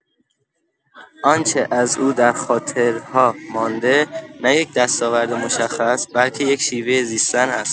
آنچه از او در خاطرها مانده، نه یک دستاورد مشخص، بلکه یک شیوه زیستن است؛